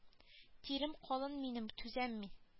Тирем калын минем түзәм мин